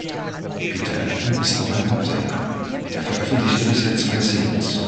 Peter Ebdon ist auch ein Popsänger. Er veröffentlichte bisher zwei Singles